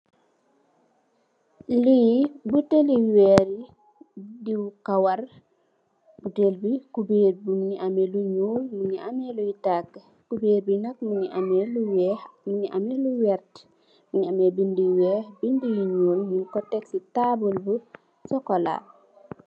Li buteel li wèrr la diw kawar, buteel bi cubèr bi mungi ameh lu ñuul, mungi ameh li takk. Cubèr bi nak mungi ameh lu weeh, mungi ameh lu vert mungi ameh bind yu weeh, bindi yu ñuul nung ko tekk ci taabul bu sokola.